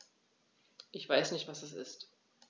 Ich weiß nicht, was das ist.